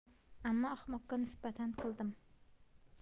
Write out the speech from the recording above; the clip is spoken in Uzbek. ammo ahmoqqa nisbatan qildim